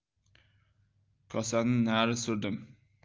kosani nari surdim